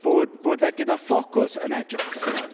Bod bod e gyda ffocws yn edrych allan.